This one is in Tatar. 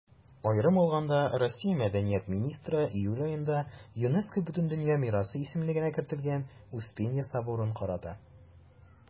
Аерым алганда, Россия Мәдәният министры июль аенда ЮНЕСКО Бөтендөнья мирасы исемлегенә кертелгән Успенья соборын карады.